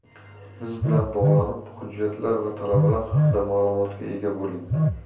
biz bilan bog'lanib hujjatlar va talablar haqida ma'lumotga ega bo'ling